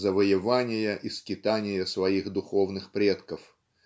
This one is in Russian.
завоевания и скитания своих духовных предков.